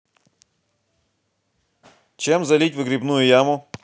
чем залить выгребную яму